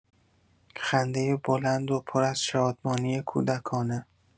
خنده بلند و پر از شادمانی کودکانه